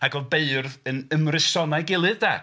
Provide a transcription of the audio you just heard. Ac oedd beirdd yn ymryson â'i gilydd de.